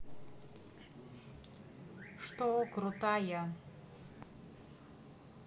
что крутая